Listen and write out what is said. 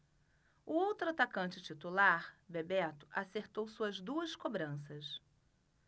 o outro atacante titular bebeto acertou suas duas cobranças